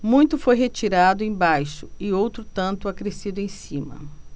muito foi retirado embaixo e outro tanto acrescido em cima